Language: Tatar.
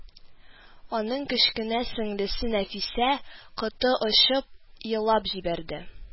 Аның кечкенә сеңлесе Нәфисә коты очып елап җибәрде